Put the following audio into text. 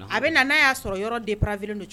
A bɛ na n'a y'a sɔrɔ yɔrɔ de pafi don cogo